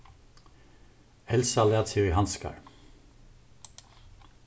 elsa læt seg í handskar